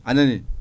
anani